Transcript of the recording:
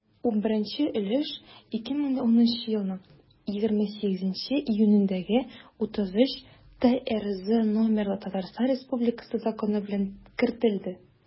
11 өлеш 2010 елның 28 июнендәге 33-трз номерлы татарстан республикасы законы белән кертелде.